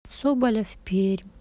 соболев пермь